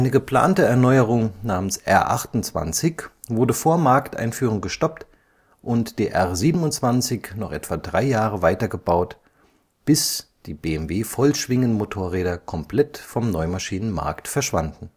geplante Erneuerung namens R 28 (mit Teleskopgabel der späteren BMW -/ 5er-Reihe) wurde vor Markteinführung gestoppt und die R 27 noch etwa drei Jahre weitergebaut, bis die / 5er-Serie der Zweizylinder erschien und BMW-Vollschwingenmotorräder komplett vom Neumaschinen-Markt verschwanden